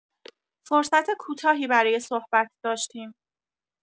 فرصت کوتاهی برای صحبت داشتیم.